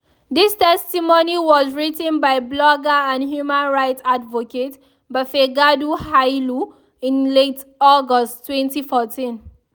This testimony was written by blogger and human rights advocate Befeqadu Hailu in late August 2014.